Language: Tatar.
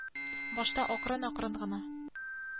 Башта акрын акрын гына